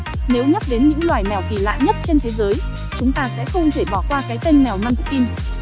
nếu nhắc đến những loài mèo kỳ lạ nhất trên thế giới chúng ta sẽ không thể bỏ qua cái tên mèo munchkin